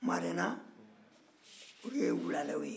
marena o ye wulalɛw ye